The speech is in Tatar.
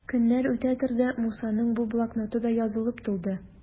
Көннәр үтә торды, Мусаның бу блокноты да язылып тулды.